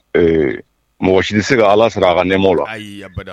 Ɛɛ, mɔgɔ si tɛ se ka Ala sera a ka nɛma la. Ayi abada